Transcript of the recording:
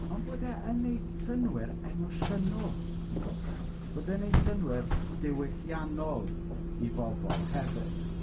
Ond bod e yn wneud synnwyr emosiynol i bobl bod e'n wneud synnwyr diwylliannol i bobl hefyd.